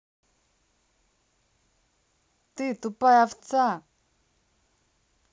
ты тупая овца